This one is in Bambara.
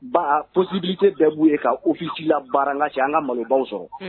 Baa possibilité bɛɛ b'u ye ka office labaara ŋa cɛ an ŋa malobaw sɔrɔ unh